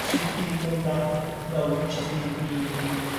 sydd ddim yna mewn 'sa chi'n mynd i...